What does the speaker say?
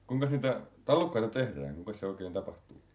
kuinkas niitä tallukkaita tehdään kuinkas se oikein tapahtuu